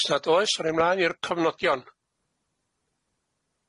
Os nad oes, ro ni mlaen i'r cofnodion.